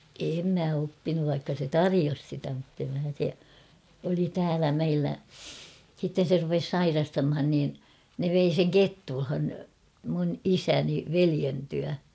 en minä oppinut vaikka se tarjosi sitä mutta en minä se oli täällä meillä sitten se rupesi sairastamaan niin ne vei sen Kettulaan minun isäni veljen tykö